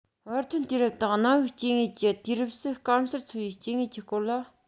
བར ཐོན དུས རབས དང གནའ བོའི སྐྱེ དངོས ཀྱི དུས རབས སུ སྐམ སར འཚོ བའི སྐྱེ དངོས ཀྱི སྐོར ལ